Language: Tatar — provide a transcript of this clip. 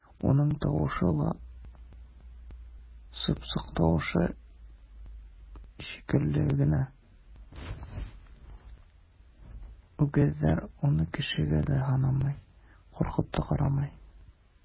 Аның тавышы да чыпчык тавышы шикелле генә, үгезләр аны кешегә дә санамый, куркып та карамый!